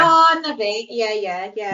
O na fe ie ie ie.